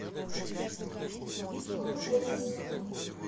ютуб эдисон